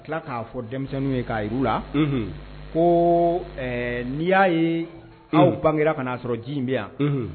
Tila k'a fɔ denmisɛnninninw ye ka yi la ko n'i y'a ye anw bangera ka'a sɔrɔ ji in bɛ yan